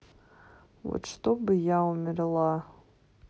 вот чтобы я умерла